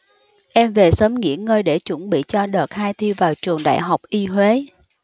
em về sớm nghỉ ngơi để chuẩn bị cho đợt hai thi vào trường đại học y huế